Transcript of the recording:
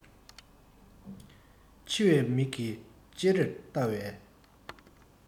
འཆི བའི མིག གིས ཅེ རེར བལྟ བའི